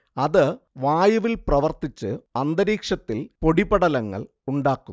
അത് വായുവിൽ പ്രവർത്തിച്ച് അന്തരീക്ഷത്തിൽ പൊടിപടലങ്ങൾ ഉണ്ടാക്കുന്നു